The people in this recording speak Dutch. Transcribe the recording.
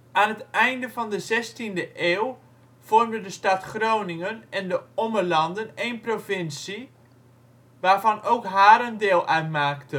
Aan het einde van de zestiende eeuw vormden de stad Groningen en de Ommelanden één provincie, waarvan ook Haren deel uitmaakt